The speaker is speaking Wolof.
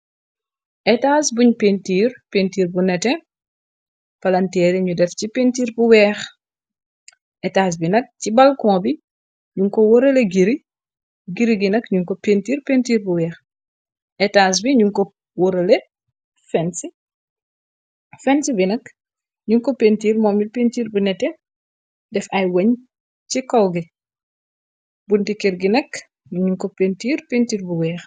palanteere ñu def cetas nak ci balkon bi ñuko worale giri giri gi nak ñuko pintiir pintiir bu weex etas bi ñuko woralefens bi nak ñu ko pintiir moombil pintiir bu nete def ay wëñ ci kowge bunti kir gi nak mi ñuñ ko pintiir pintiir bu weex